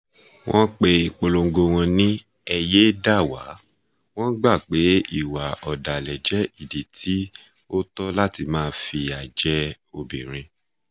Wọ́n pe ìpolongo wọn ní "Ẹ Yé é Dà Wá", wọ́n gbà pé ìwà ọ̀dàlẹ̀ jẹ́ ìdí tí ó tọ́ láti máa fìyà jẹ obìnrin.